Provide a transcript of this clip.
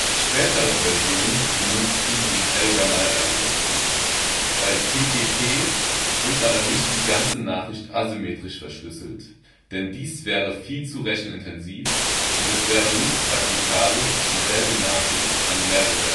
Spätere Versionen benutzten den Elgamal-Algorithmus. Bei PGP wird aber nicht die ganze Nachricht asymmetrisch verschlüsselt, denn dies wäre viel zu rechenintensiv, und es wäre nicht praktikabel, dieselbe Nachricht an mehrere